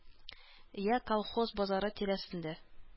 Йә колхоз базары тирәсендә